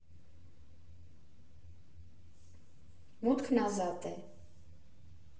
Մուտքն ազատ է։